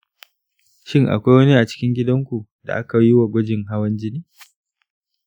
shin akwai wani a cikin gidanku da aka yiwa gwajin hawan-jini?